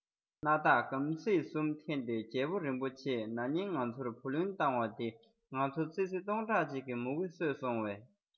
སྣ ཐག སྒམ ཚིག གསུམ འཐེན ཏེ རྒྱལ པོ རིན པོ ཆེན ནིང ང ཚོར བུ ལོན བཏང བ དེས ང ཚོ ཙི ཙི སྟོང ཕྲག གཅིག གི མུ གེ གསོས སོང བས